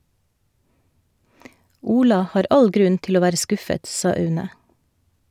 Ola har all grunn til å være skuffet, sa Aune.